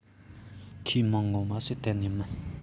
ཁོའི མིང ངོ མ ཞིག གཏན ནས མིན